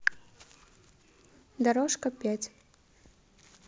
дорожка пять